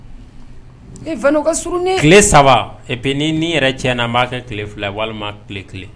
Ka surun tile sabap ni yɛrɛ cɛ na b aa kɛ tile fila walima tile kelen